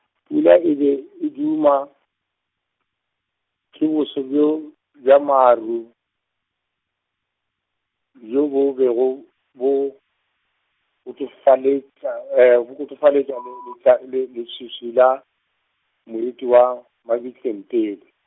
pula e be e duma, ke boso bjo, bja maru, bjo bo bego bo, kotofaletša bo kotofaletša le le letša, le leswiswi la, moriti wa, mabitleng pele.